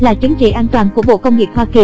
là chứng chỉ an toàn của bộ công nghiệp hoa kỳ